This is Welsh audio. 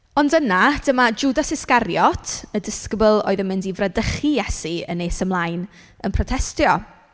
Ond yna dyma Jwdas Iscariot, y disgybl oedd yn mynd i fradychu Iesu yn nes ymlaen, yn protestio.